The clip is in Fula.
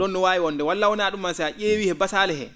?oon no waawi wonde walla wonaa ?um si a ?eewii e basaale hee